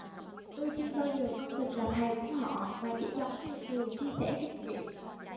tôi chưa bao giờ coi mình là thầy của họ mà chỉ giống như người chia sẻ kinh nghiệm